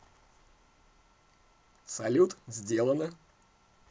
салют сделано